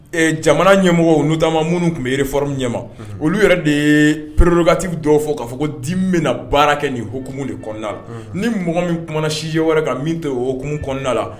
Jamana ɲɛmɔgɔw notamment minnu tun bɛ réforme ɲɛma olu yɛrɛ de ye prérogative dɔw fɔ k'a fɔ ko Dimu bɛna na baara kɛ nin hukumu de kɔnɔna la ni mɔgɔ min kumana sujet wɛrɛ kan min tɛ hukumu kɔnɔna la